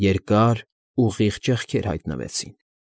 Երկար, ուղիղ ճեղքեր հայտնվեցին։